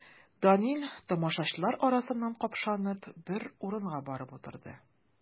Данил, тамашачылар арасыннан капшанып, бер урынга барып утырды.